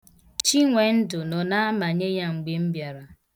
Chinwendụ nọ na-amanye ya mgbe m bịara.